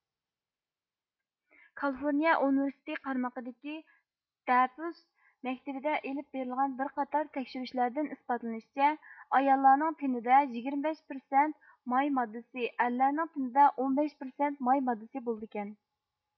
كالىفورنىيە ئۇنىۋېرسىتېتى قارىمىقىدىكى دەپۈس مەكتىۋىدە ئېلىپ بېرىلغان بىر قاتار تەكشۈرۈشلەردىن ئىسپاتلىنىشىچە ئاياللارنىڭ تېنىدە يىگىرمە بەش پىرسەنت ماي ماددىسى ئەرلەرنىڭ تېنىدە ئون بەش پىرسەنت ماي ماددىسى بولىدىكەن